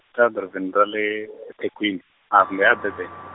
ra dorobeni ra le , Thekwini, a kumbe a Durban.